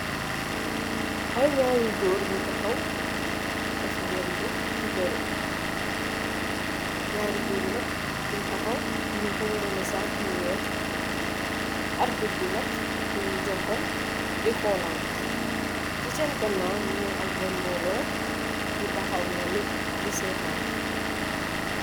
Aye goor yu takhaw daf ngem mbu di bareh nyarri goor yu fung takhaw nyung fa wareleh aye saku yu wekh arbit bi munge jung kun si sen ganaw munge am aye mboloh yu takhaw di setan